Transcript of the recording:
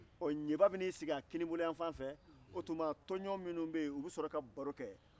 ɔ ɲeba bɛ n'i sigi a kinibolo yanfa fɛ o tuma tɔnjɔn minnu be yen u bɛ sɔrɔ ka baro kɛ